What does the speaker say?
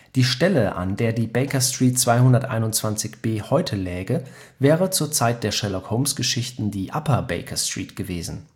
die Stelle, an der die Baker Street 221b heute läge (sie wurde 1930 verlängert), wäre zur Zeit der Sherlock-Holmes-Geschichten die Upper Baker Street gewesen